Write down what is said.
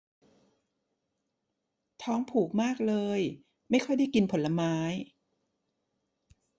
ทองผูกมากเลยไม่ค่อยได้กินผลไม้